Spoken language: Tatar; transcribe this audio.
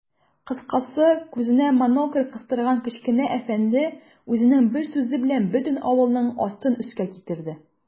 Кыскасы, күзенә монокль кыстырган кечкенә әфәнде үзенең бер сүзе белән бөтен авылның астын-өскә китерде.